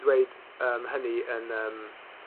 dweud yym hynny yn yym